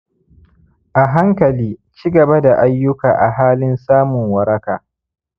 a hankali cigaba da ayukka a halin samun waraka